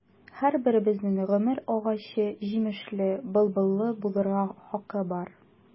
Һәрберебезнең гомер агачы җимешле, былбыллы булырга хакы бар.